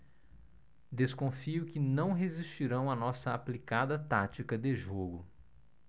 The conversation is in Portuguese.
desconfio que não resistirão à nossa aplicada tática de jogo